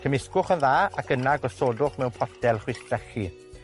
Cymysgwch yn dda, ac yna gosodwch mewn potel chwistrellu.